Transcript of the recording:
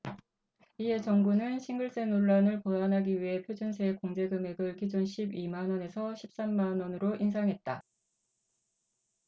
이에 정부는 싱글세 논란을 보완하기 위해 표준세액 공제금액을 기존 십 이 만원에서 십 삼 만원으로 인상했다